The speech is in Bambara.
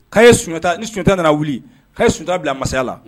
Ka' ye sunjata ni sunjatata nana wuli' ye sunjata bila mansaya la